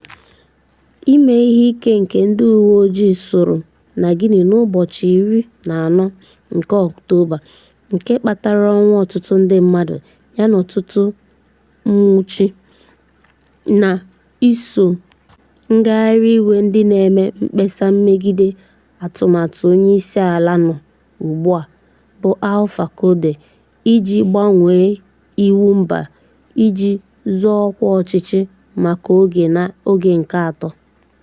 Ime ihe ike nke ndị uwe ojii suru na Guinea n'ụbọchị 14 nke Ọktoba, nke kpatara ọnwu ọtụtụ ndị mmadụ yana ọtụtụ nnwụchi, n'iso ngagharị iwe ndị na-eme mkpesa megide atụmatụ onyeisiala nọ ugbu a bụ Alpha Condé iji gbanwee iwu mba iji zọọ ọkwa ọchịchị maka oge nke atọ.